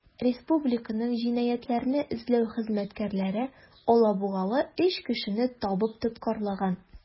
Республиканың җинаятьләрне эзләү хезмәткәрләре алабугалы 3 кешене табып тоткарлаган.